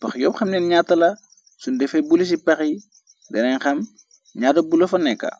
pax yopp xam neet ñatta la sun defa buli ci pax yi danen xam ñaata bul fa nekka.